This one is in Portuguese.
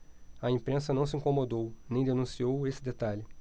a imprensa não se incomodou nem denunciou esse detalhe